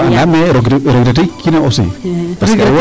To andaam e regretter kino aussi parce que a woora.